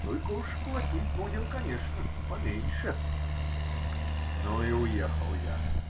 Только уж платить будем, конечно, поменьше. Ну, и уехал я.